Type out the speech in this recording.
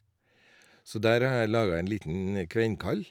Så der har jeg laga en liten kvernkall.